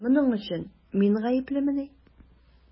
Моның өчен мин гаеплемени?